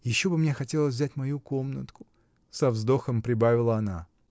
Еще бы мне хотелось взять мою комнатку. — со вздохом прибавила она.